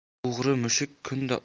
o'g'ri mushuk kunda